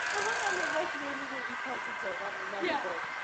Mae o'n rwbeth rili rili positif am y menopos.